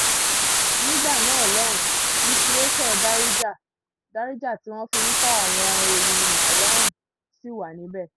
Nígbà náà lọ́hùn, litiréṣọ̀ Darija, Darija ti wọ́n fi ń kọ àwọn ewì Malhoun, ṣì wà níbẹ̀.